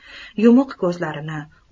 yumuq ko'zlarni